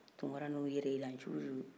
tunkara ninnu yɛrɛyiranciw de don